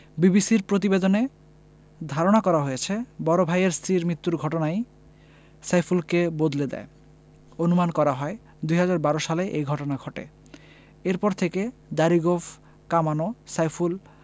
বিবিসির প্রতিবেদনে ধারণা করা হয়েছে বড় ভাইয়ের স্ত্রীর মৃত্যুর ঘটনাই সাইফুলকে বদলে দেয় অনুমান করা হয় ২০১২ সালে এ ঘটনা ঘটে এরপর থেকে দাড়ি গোঁফ কামানো সাইফুল